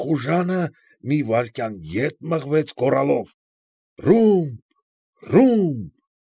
Խուժանը մի վայրկյան ետ մղվեց՝ գոռալով. ֊ Ռումբ, ոումբ…